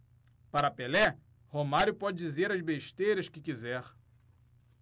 para pelé romário pode dizer as besteiras que quiser